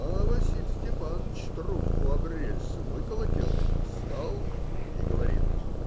А Василий Степаныч трубку об рельс выколотил, встал и говорит